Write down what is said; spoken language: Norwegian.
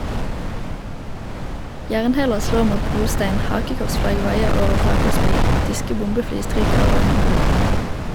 Jernhæler slår mot brostein, hakekorsflagg vaier over tak og spir, tyske bombefly stryker over himmelen.